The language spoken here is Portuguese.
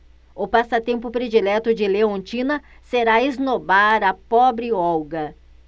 o passatempo predileto de leontina será esnobar a pobre olga